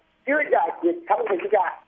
chưa giải quyết xong tất cả